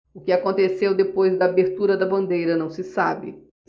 o que aconteceu depois da abertura da bandeira não se sabe